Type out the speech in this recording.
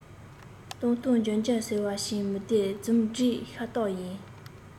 བཏང བཏང འཇོན འཇོན ཟེར བ བྱིངས མི བདེན རྫུན སྒྲིག ཤ སྟག ཡིན